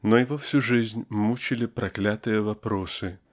но его всю жизнь мучили проклятые вопросы